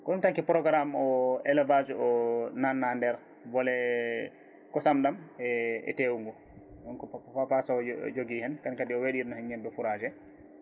ko ɗum tagui programme o élévage o o nanna nder beele kosam ɗam e teew ngu ɗum ko ko pasoje o jogui hen kono kadi o waɗino hen ñebbe froissé